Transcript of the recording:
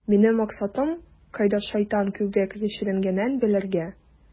Минем максатым - кайда шайтан күбрәк яшеренгәнен белергә.